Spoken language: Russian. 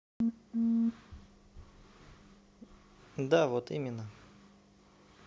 да вот именно